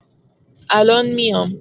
الان میام.